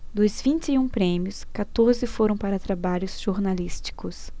dos vinte e um prêmios quatorze foram para trabalhos jornalísticos